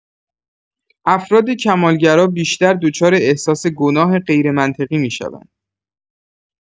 افراد کمال‌گرا بیشتر دچار احساس گناه غیرمنطقی می‌شوند.